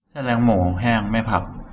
เส้นเล็กหมูแห้งไม่ผัก